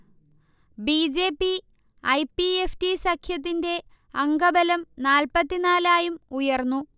B. J. P. I. P. F. സഖ്യത്തിന്റെ അംഗബലം നാല്പതിനാലയും ആയും ഉയർന്നു